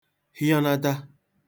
hịọnata